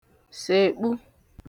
sèkpụ